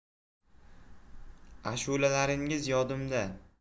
ashulalaringiz yodimda